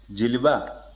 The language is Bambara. jeliba